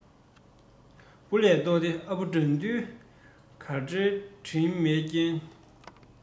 བུ ལས ལྡོག སྟེ ཨ ཕ དགྲ འདུལ ག བྲེལ འདྲིས མེད རྐྱེན